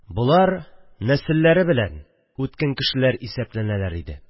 Болар нәселләре белән үткен кешеләр исәпләнәләр иде